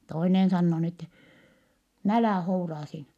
toinen sanoo niin että no älä houraa siinä